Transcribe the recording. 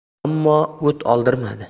ammo o't oldirmadi